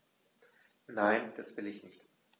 Nein, das will ich nicht.